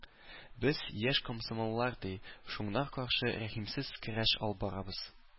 Без, яшь комсомоллар, ди, шуңар каршы рәхимсез көрәш алып барабыз.